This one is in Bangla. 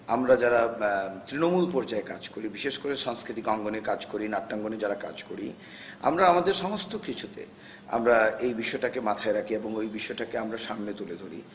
আমরা যারা তৃণমূল পর্যায়ে কাজ করি বিশেষ করে সাংস্কৃতিক অঙ্গনে কাজ করি নাট্যাঙ্গনে যারা কাজ করি আমরা আমাদের সমস্ত কিছুতে আমরা এই বিষয়টাকে মাথায় রাখি এবং এই বিষয়টা কে আমরা সামনে তুলে ধরি